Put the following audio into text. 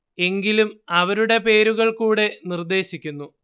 എങ്കിലും അവരുടെ പേരുകൾ കൂടെ നിർദ്ദേശിക്കുന്നു